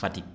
Fatick